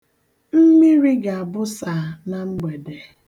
Mmiri ga-abụsa na mgbede.